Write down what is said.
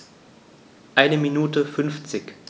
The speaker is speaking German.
Eine Minute 50